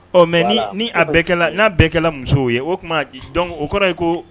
Ɔ mɛ ni ni bɛɛ n'a bɛɛkɛla musow ye o tuma dɔn o kɔrɔ ye ko